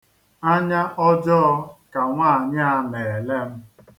Anya ọjọọ ka nwaanyị a na-ele m.